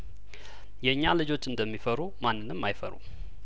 የእኛን ልጆች እንደሚፈሩ ማንንም አይፈሩም